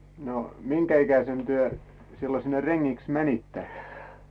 no minkä ikäisenä te silloin sinne rengiksi menitte